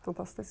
fantastisk.